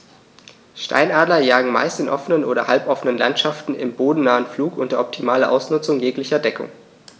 Steinadler jagen meist in offenen oder halboffenen Landschaften im bodennahen Flug unter optimaler Ausnutzung jeglicher Deckung.